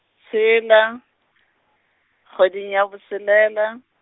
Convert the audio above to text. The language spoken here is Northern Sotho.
tshela, kgweding ya botshelela.